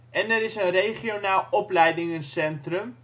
en er is een regionaal opleidingencentrum